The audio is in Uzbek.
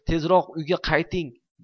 tezroq uyga qayting